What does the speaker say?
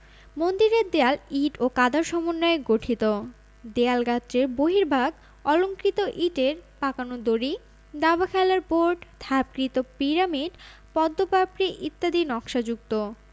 মন্দিরের দেয়াল ইট ও কাদার সমন্বয়ে গঠিত দেয়ালগাত্রের বহির্ভাগ অলঙ্কৃত ইটের পাকানো দড়ি দাবা খেলার বোর্ড ধাপকৃত পিরামিড পদ্ম পাপড়ি ইত্যাদি নকশাযুক্ত